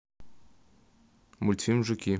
мультфильм жуки